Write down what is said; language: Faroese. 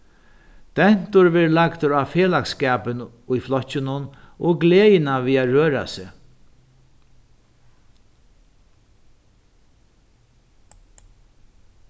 dentur verður lagdur á felagsskapin í flokkinum og gleðina við at røra seg